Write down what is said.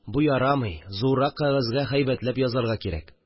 Бу ярамый, зуррак кәгазьгә һәйбәтләп язарга кирәк.